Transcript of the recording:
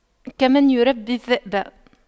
كمن يربي الذئب